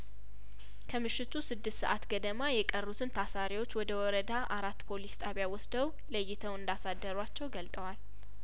ከምሽቱ ስድስት ሰአት ገደማ የቀሩትን ታሳሪዎች ወደ ወረዳ አራት ፖሊስ ጣቢያ ወስደው ለይተው እንዳሳደሯቸው ገልጠዋል